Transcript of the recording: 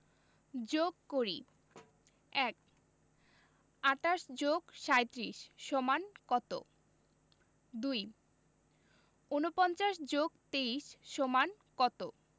যোগ করিঃ ১ ২৮ + ৩৭ = কত ২ ৪৯ + ২৩ = কত